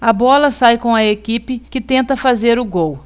a bola sai com a equipe que tenta fazer o gol